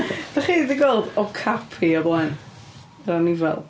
Dach chi 'di gweld okapi o'r blaen? Yr anifail.